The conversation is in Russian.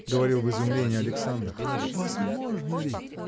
– говорил в изумлении Александр, – возможно ли?